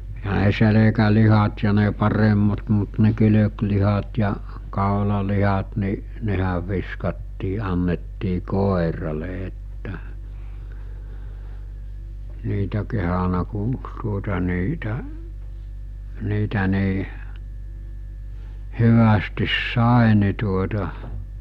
eihän ne selkälihat ja ne paremmat mutta ne kylkilihat ja kaulalihat niin nehän viskattiin annettiin koiralle että niitä kehdannut kun tuota niitä niitä niin hyvästi sai niin tuota